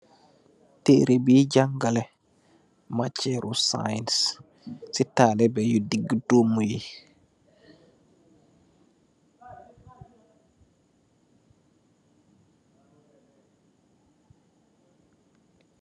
Tareh bi jangale marceru science si talibex digitoma ye.